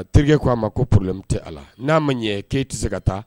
A terikɛ k ko a ma ko plɛmu tɛ ala n'a ma ɲɛ k'e tɛ se ka taa